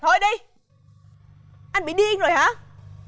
thôi đi anh bị điên rồi hả